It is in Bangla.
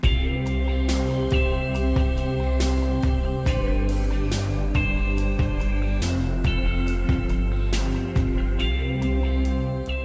music